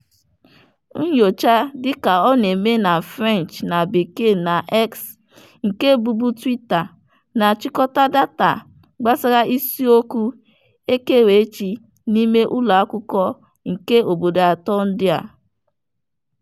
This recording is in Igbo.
Nnyocha dịka ọ na-eme na French na Bekee na X (nke bụbu Twitter) na-achịkọta data gbasara isiokwu ekerechi n'ime ụlọakụkọ nke obodo atọ ndị a.